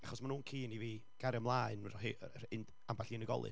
achos maen nhw'n keen i fi gario mlaen ambell i unigolyn.